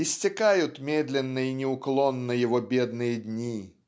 Иссякают медленно и неуклонно его бедные дни